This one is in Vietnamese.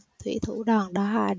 thủy thủ đoàn đã hạ